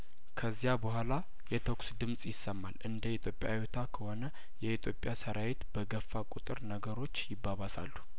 ከዚያ በኋላ የተኩስ ድምጽ ይሰማል እንደ ኢትዮጵያዊቷ ከሆነ የኢትዮጵያ ሰራዊት በገፋ ቁጥር ነገሮች ይባባሳሉ